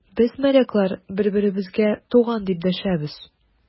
Без, моряклар, бер-беребезгә туган, дип дәшәбез.